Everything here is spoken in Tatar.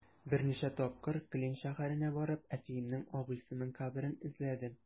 Берничә тапкыр Клин шәһәренә барып, әтиемнең абыйсының каберен эзләдем.